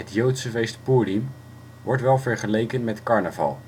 joodse feest Poeriem wordt wel vergeleken met carnaval